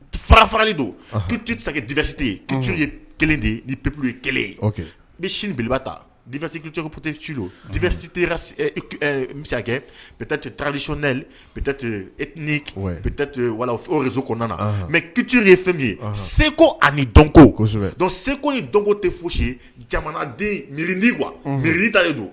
Fara farali dontete sesitetu ye kelen de ni ptu ye kelen bɛ sinieleba tafasecɛpte donsi tɛ mi taliconɛli etiniso kɔnɔna na mɛ kituururi ye fɛn ye seko ani dɔnko seko ni dɔnko tɛ foyisi ye jamanaden mirindi kuwa mirin da de don